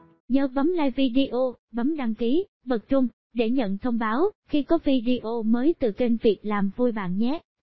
nhớ bấm like video bấm đăng kí và bật chuông để nhận thông báo về video mới trên kênh nhé